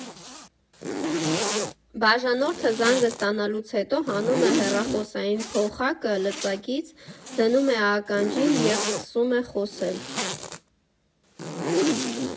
Բաժանորդը զանգը ստանալուց հետո հանում է հեռախոսային փողակը լծակից, դնում է ականջին և սկսում է խոսել։